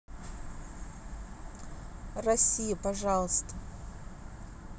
россия пожалуйста